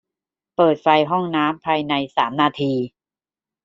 เปิดไฟห้องน้ำภายในสามนาที